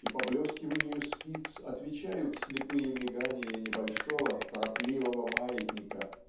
и поблескиванию спиц отвечают слепые мигания небольшого торопливого маятника